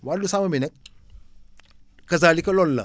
wàllu sàmm mi nag kasaalika loolu la